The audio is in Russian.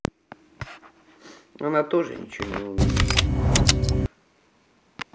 она тоже ничего не умеет